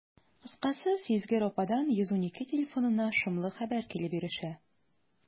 Кыскасы, сизгер ападан «112» телефонына шомлы хәбәр килеп ирешә.